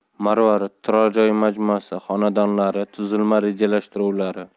marvarid turar joy majmuasi xonadonlari tuzilma rejalashtiruvlari